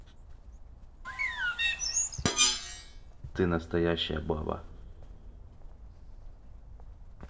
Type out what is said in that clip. ты настоящая баба